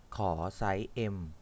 ขอไซส์เอ็ม